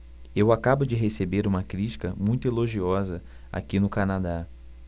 eu acabo de receber uma crítica muito elogiosa aqui no canadá